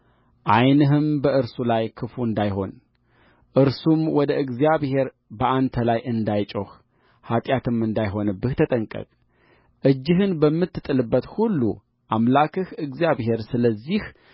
ዓይንህም በእርሱ ላይ ክፉ እንዳይሆን እርሱም ወደ እግዚአብሔር በአንተ ላይ እንዳይጮህ ኃጢአትም እንዳይሆንብህ ተጠንቀቅ እጅህን በምትጥልበት ሁሉ አምላክህ እግዚአብሔር ስለዚህ